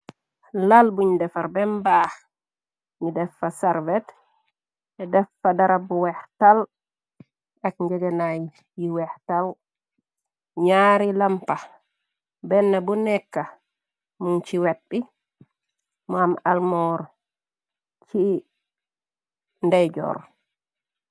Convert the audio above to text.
lal buñ defar bem baax ñi defa sarvet deffa dara bu weex tal ak njëganaay yi weex tal ñaari lampa benn bu nekka mun ci wet bi mu am almoor ci ndey joor.